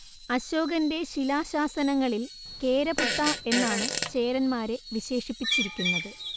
അശോകന്റെ ശിലാശാസനങ്ങളിൽ കേരപുത്താ എന്നാണ് ചേരന്മാരെ വിശേഷിപ്പിച്ചിരിക്കുന്നത്